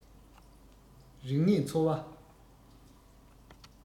རིག གནས འཚོ བ